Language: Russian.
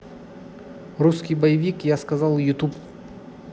русский боевик я сказал ютуб